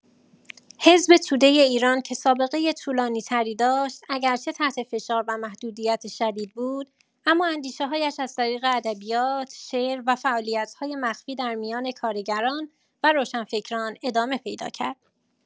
حزب توده ایران که سابقه طولانی‌تری داشت، اگرچه تحت فشار و محدودیت شدید بود، اما اندیشه‌هایش از طریق ادبیات، شعر و فعالیت‌های مخفی در میان کارگران و روشنفکران ادامه پیدا کرد.